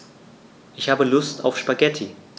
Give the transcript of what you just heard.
Ich habe Lust auf Spaghetti.